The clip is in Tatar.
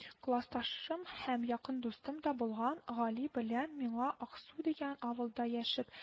- классташым һәм якын дустым да булган гали белән миңа аксу дигән авылда яшеп